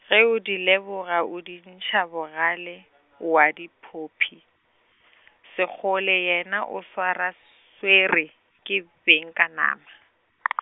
ge o di leboga o di ntšha bogale , o wa di phophi, Segole yena o swara s- swerwe, ke beng ka nama .